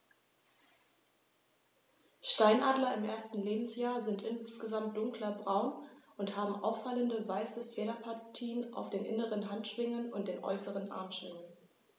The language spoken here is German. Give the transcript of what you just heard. Steinadler im ersten Lebensjahr sind insgesamt dunkler braun und haben auffallende, weiße Federpartien auf den inneren Handschwingen und den äußeren Armschwingen.